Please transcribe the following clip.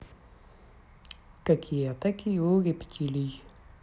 какие атаки у рептилий